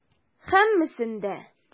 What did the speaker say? Һәммәсен дә.